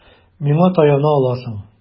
Миңа таяна аласың.